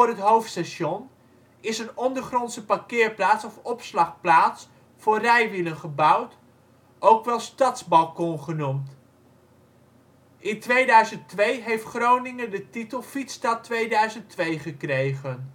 hoofdstation is een ondergrondse parkeerplaats of opslagplaats voor rijwielen gebouwd, ook wel stadsbalkon genoemd. In 2002 heeft Groningen de titel Fietsstad 2002 gekregen